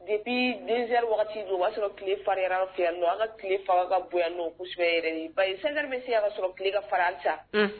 De bi den waati o b'a sɔrɔ tile fari an fɛ yan an ka tilele fan ka bonyayan ba seli bɛ se ka sɔrɔ tilele ka farasa